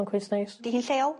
Ma'n cweit neis.'Di hi'n lleol?